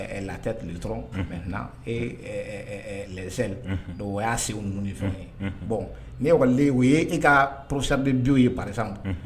Latɛ tile dɔrɔn e don wa' segu ninnu ni fɛn ye bɔn n'len u ye e ka pssadenw ye pasamu